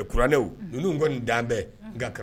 Kuranɛw, unhun, ninnu kɔni dan bɛ, un, nka